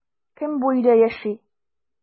Кем бу өйдә яши?